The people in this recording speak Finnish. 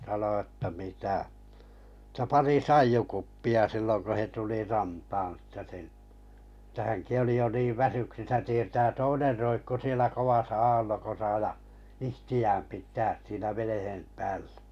sanoi että mitä että pari saijukuppia silloin kun he tuli rantaan että sen että hänkin oli jo niin väsyksissä tietää toinen roikkui siellä kovassa aallokossa ja itseään pitää siinä veneen päällä